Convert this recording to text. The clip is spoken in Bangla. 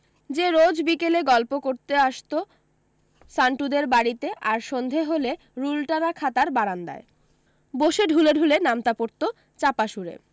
যে রোজ বিকেলে গল্প করতে আসতো সান্টুদের বাড়ীতে আর সন্ধে হলে রুলটানা খাতার বারান্দায় বসে ঢুলে ঢুলে নামতা পড়তো চাপাসুরে